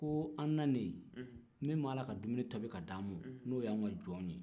ko an nanen min b'a la ka dumuni tobi k'a d'an ma n'o yan ka jɔn ye